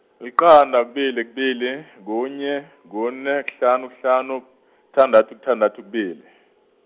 liqanda kubili kubili, kunye, kune, kuhlanu kuhlanu, kuthandathu kuthandathu kubili.